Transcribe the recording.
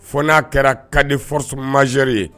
Fo n'a kɛra ka di fso mazeri ye